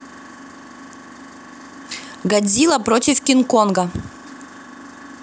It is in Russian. годзилла против кинг конга